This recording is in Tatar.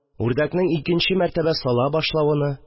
Үрдәкнең икенче мәртәбә сала башлавыны